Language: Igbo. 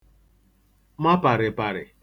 ma pàrị̀pàrị̀